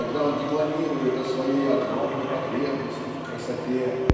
когда он декламирует о своей огромной потребности в красоте